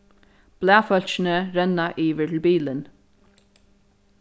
blaðfólkini renna yvir til bilin